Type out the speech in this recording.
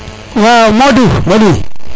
waaw Modou